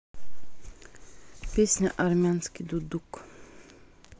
песня армянский дудук